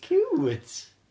Ciwt!